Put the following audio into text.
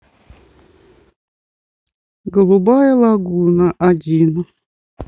голубая лагуна один